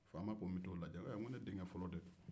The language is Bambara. faama ko n bɛ taa o lajɛ